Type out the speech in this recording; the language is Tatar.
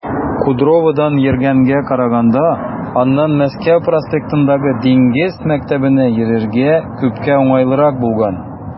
Кудроводан йөргәнгә караганда аннан Мәскәү проспектындагы Диңгез мәктәбенә йөрергә күпкә уңайлырак булган.